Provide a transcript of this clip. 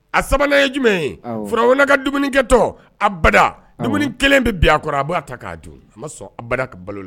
A sabanan ye jumɛn ye fura ka dumunikɛ tɔ a bada dumuni kelen bɛ a kɔrɔ a b'a ta k'a dun a ma sɔn a ba ka balo la